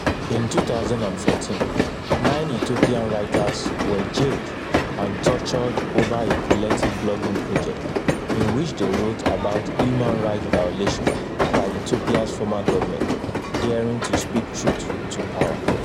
In 2014, nine Ethiopian writers were jailed and tortured over a collective blogging project in which they wrote about human rights violations by Ethiopia’s former government, daring to speak truth to power.